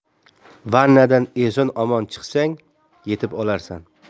vannadan eson omon chiqsang yetib olarsan